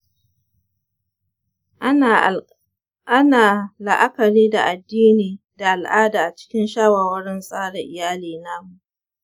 ana la’akari da addini da al’ada a cikin shawarwarin tsara iyali namu.